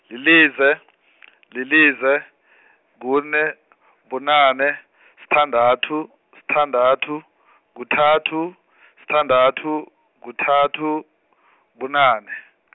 lilize, lilize, kune, bunane, sithandathu, sithandathu, kuthathu, sithandathu, kuthathu, bunane.